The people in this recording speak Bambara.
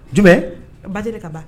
Jumɛn?